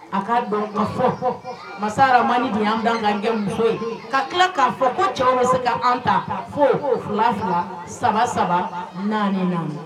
A ka dɔn fɔ masaramani ni de an dan kakɛ muso ye ka tila k'a fɔ ko cɛ bɛ se ka an ta fo ko fila fila saba saba naani